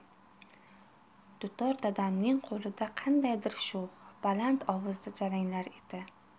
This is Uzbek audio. dutor dadamning qo'lida qandaydir sho'x baland ovozda jaranglar edi